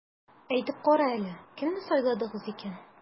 Әйтеп кара әле, кемне сайладыгыз икән?